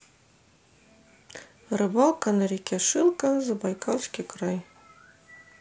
рыбалка на реке шилка забайкальский край